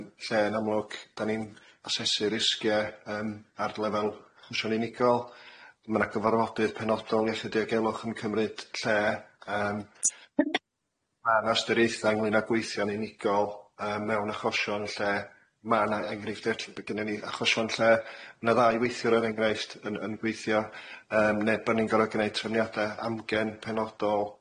lle yn amlwg dan ni'n asesu risgie yym ar lefel achosion unigol ma''na gyfarfodydd penodol iechyd a diogelwch yn cymryd lle yym ma'n ystyriaethe ynglŷn â gweithio yn unigol yym mewn achosion lle ma' na enghreifftie gynnyn ni achosion lle ma' na ddau weithiwr er enghraifft yn yn gweithio yym ne' bo' ni'n gorod gneud trefniada amgen penodol.